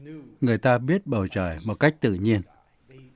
người ta biết bầu trời một cách tự nhiên